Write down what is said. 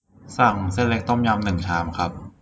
สั่งเส้นเล็กต้มยำหนึ่่งชามครับ